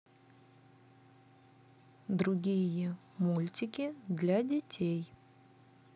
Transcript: другие мультики для детей